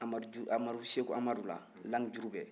amadu amadu seko amadu la lang jurubɛ